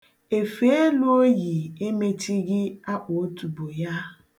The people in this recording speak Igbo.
Efe elu o yi emechighị akpụotubo ya.